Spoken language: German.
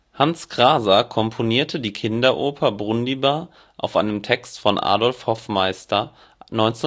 Hans Krása komponierte die Kinderoper Brundibár auf einen Text von Adolf Hoffmeister 1938